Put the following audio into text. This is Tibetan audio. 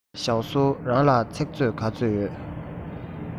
ཞའོ སུའུ རང ལ ཚིག མཛོད ག ཚོད ཡོད